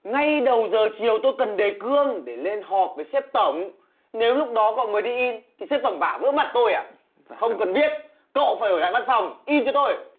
ngay đầu giờ chiều tôi cần đề cương để lên họp với sếp tổng nếu lúc đó cậu mới đi in thì sếp tổng vả vỡ mặt tôi à không cần biết cậu phải ở lại văn phòng in cho tôi